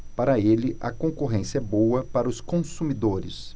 para ele a concorrência é boa para os consumidores